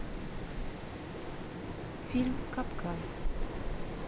фильм капкан